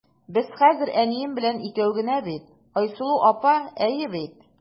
Без хәзер әнием белән икәү генә бит, Айсылу апа, әйе бит?